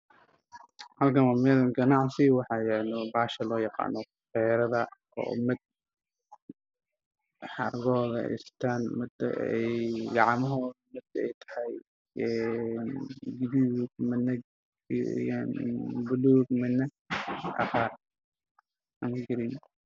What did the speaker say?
Meshan waxaa yaalo sedax feero